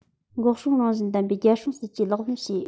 འགོག སྲུང རང བཞིན ལྡན པའི རྒྱལ སྲུང སྲིད ཇུས ལག ལེན བྱེད